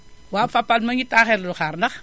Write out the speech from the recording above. waaw Fapal mu ngi taaxirlu di xaar ndax